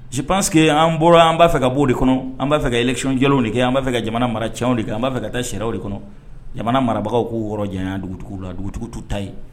Sipsseke an bɔra an b'a fɛ ka' de kɔnɔ an b'a fɛ ka ecjɛlow de kɛ an'a fɛ ka jamana mara cɛww de kɛ an b'a fɛ ka taa sɛw de kɔnɔ jamana marabagaw ko yɔrɔjan dugutigi la dugutigitu ta yen